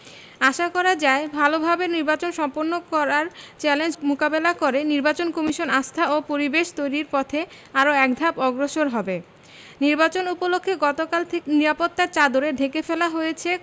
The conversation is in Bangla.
আশা করা যায় ভালোভাবে নির্বাচন সম্পন্ন করার চ্যালেঞ্জ মোকাবেলা করে নির্বাচন কমিশন আস্থা ও পরিবেশ তৈরির পথে আরো একধাপ অগ্রসর হবে নির্বাচন উপলক্ষে গতকাল থেকে নিরাপত্তার চাদরে ঢেকে ফেলা হয়েছে